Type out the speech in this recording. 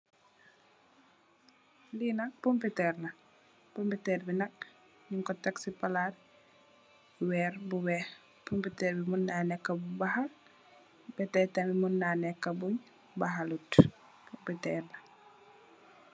Li nak pompitèèr la, pompitèèr bi nak ñing ko tèk ci palat ti wèèr bu wèèx, pompitèèr bi mung na nekka bu baxal be tey tamit mun na nekka bu baxalut.